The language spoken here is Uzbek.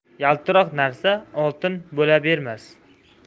yaltiroq narsa oltin bo'la bermas